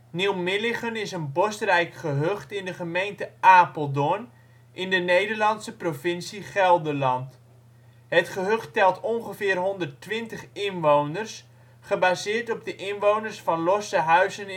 Nieuw-Milligen is een bosrijk gehucht in de gemeente Apeldoorn in de Nederlandse provincie Gelderland. Het gehucht telt ongeveer 120 inwoners, gebaseerd op de inwoners van losse huizen